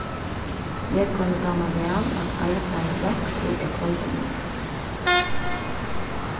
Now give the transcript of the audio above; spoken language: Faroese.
jógvani dámar væl at arbeiða langt út á kvøldarnar